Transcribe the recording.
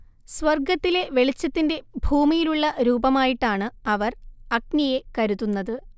സ്വർഗത്തിലെ വെളിച്ചത്തിന്റെ ഭൂമിയിലുള്ള രൂപമായിട്ടാണ് അവർ അഗ്നിയെ കരുതുന്നത്